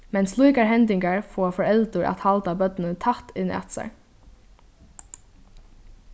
men slíkar hendingar fáa foreldur at halda børnini tætt inn at sær